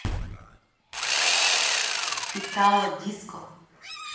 итало диско